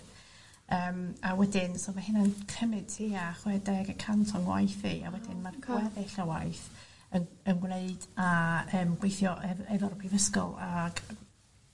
yym a wedyn so ma' hynna'n cymyd tua chwedeg y cant o'n waith i a wedyn ma'r gweddill y waith yn yn gwneud â yym gweithio ef- efo'r prifysgol ag